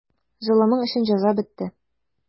Золымың өчен җәза бетте.